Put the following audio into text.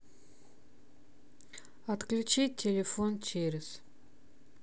отключить телевизор через